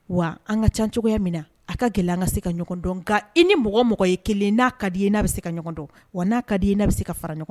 Wa an ka ca cogoya min na a ka gɛlɛn an ka se ka ɲɔgɔn dɔn nka i ni mɔgɔ mɔgɔ ye kelen n'a ka di i n' bɛ se ka ɲɔgɔn dɔn wa n'a ka di i n' bɛ se ka fara ɲɔgɔn